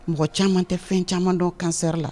Mɔgɔ caman tɛ fɛn caman dɔ kansɛ la